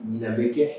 Ɲin bɛ kɛ